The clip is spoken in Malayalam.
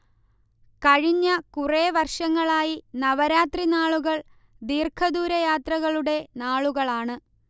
കഴിഞ്ഞ കുറേ വർഷങ്ങളായി നവരാത്രിനാളുകൾ ദീഘദൂരയാത്രകളുടെ നാളുകളാണ്